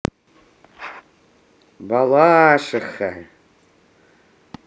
балашиха